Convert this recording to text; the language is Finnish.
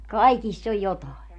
kaikissa on jotakin